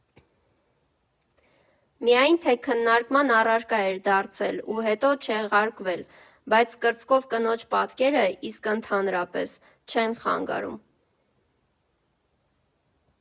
Միայն թե քննարկման առարկա էր դարձել ու հետո չեղարկվել բաց կրծքով կնոջ պատկերը, իսկ ընդհանրապես՝ չեն խանգարում.